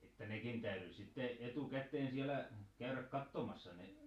että nekin täytyi sitten etukäteen siellä käydä katsomassa ne